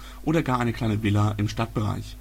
gar eine kleine Villa im Stadtbereich